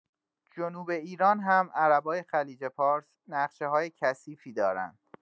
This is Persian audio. جنوب ایران هم عربای خلیج پارس نقشه‌های کثیفی دارن